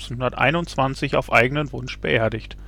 1721 auf eigenen Wunsch beerdigt